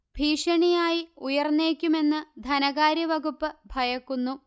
ഭീഷണിയായി ഉയർന്നേക്കുമെന്ന് ധനകാര്യവകുപ്പ് ഭയക്കുന്നു